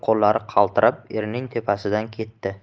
qaltirab erining tepasidan ketdi